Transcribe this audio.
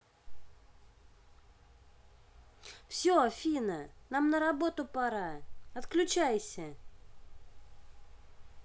все афина нам на работу пора отключайся